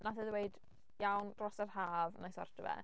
Wnaeth e ddweud "iawn dros yr haf wna i sortio fe".